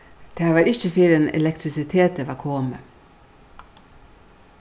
tað var ikki fyrr enn elektrisitetið var komið